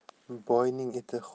boyning iti hurag'on